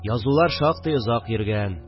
Язулар шактый озак йөргән